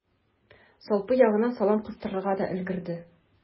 Салпы ягына салам кыстырырга да өлгерде.